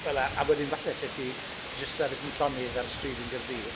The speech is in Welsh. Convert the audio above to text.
Wel a wedyn falle, alli di jyst sefyll yn llonydd ar stryd yn Gaerdydd...